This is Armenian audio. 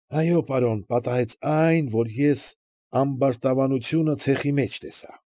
Այո, պարոն, պատահեց այն, որ ես ամբարտավանությունը ցեխի մեջ տեսա։